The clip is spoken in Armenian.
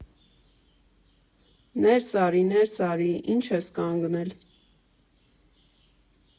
Նե՛րս արի, նե՛րս արի, ի՜նչ ես կանգնել…